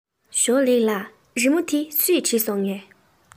ཞོའོ ལིའི ལགས རི མོ འདི སུས བྲིས སོང ངས